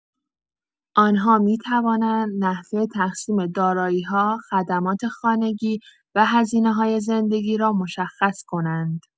آن‌ها می‌توانند نحوه تقسیم دارایی‌ها، خدمات خانگی و هزینه‌های زندگی را مشخص کنند.